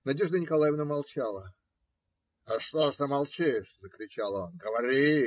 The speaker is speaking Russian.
Надежда Николаевна молчала. - Что ты молчишь? - закричал он. - Говори!